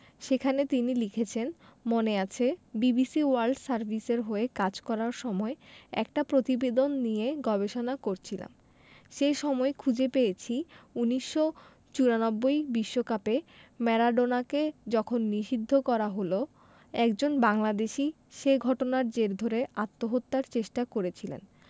সেখানে তিনি লিখেছেন মনে আছে বিবিসি ওয়ার্ল্ড সার্ভিসের হয়ে কাজ করার সময় একটা প্রতিবেদন নিয়ে গবেষণা করছিলাম সে সময় খুঁজে পেয়েছি ১৯৯৪ বিশ্বকাপে ম্যারাডোনাকে যখন নিষিদ্ধ করা হলো একজন বাংলাদেশি সে ঘটনার জের ধরে আত্মহত্যার চেষ্টা করেছিলেন